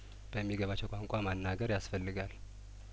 በሚገባቸው ቋንቋ ማናገር ያስፈልጋል